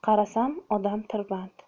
qarasam odam tirband